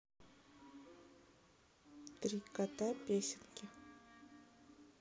три кота песенки